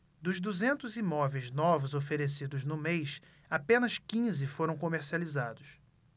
dos duzentos imóveis novos oferecidos no mês apenas quinze foram comercializados